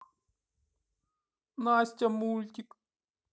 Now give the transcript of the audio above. настя мультик